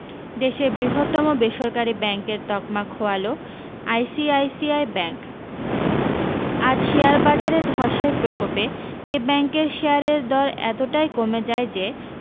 দেশের বৃহত্তম বেসরকারি ব্যাঙ্কের তকমা খোয়ালো আইসিআইসিআই ব্যাঙ্ক আজ শেয়ার বাজারে ধসের প্রকোপে এই ব্যাঙ্কের শেয়ারের দর এতটাই কমে যায় যে